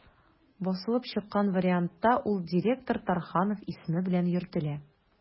Басылып чыккан вариантта ул «директор Тарханов» исеме белән йөртелә.